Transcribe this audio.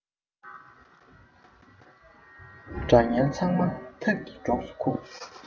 དགྲ གཉེན ཚང མ ཐབས ཀྱིས གྲོགས སུ ཁུག